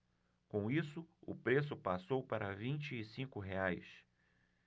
com isso o preço passou para vinte e cinco reais